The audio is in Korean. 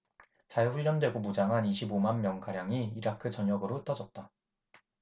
잘 훈련되고 무장한 이십 오 만 명가량이 이라크 전역으로 흩어졌다